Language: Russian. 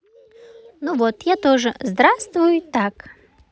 ну вот я тоже здравствуй так